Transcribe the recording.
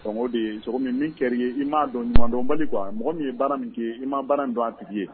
Donc o de ye c'est comme min kɛra ye i m'a dɔn, ɲumandonbali quoi mɔgɔ min ye baara min k'i ye i ma baara in don an tigi ye.